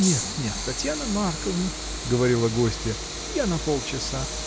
— Нет, нет, Татьяна Марковна, — говорила гостья, — я на полчаса.